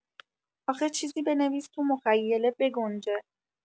آخه چیزی بنویس تو مخیله بگنجه